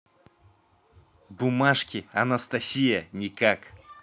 бумажки анастасия никак